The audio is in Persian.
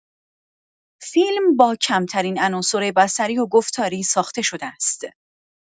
فیلم با کمترین عناصر بصری و گفتاری ساخته شده است.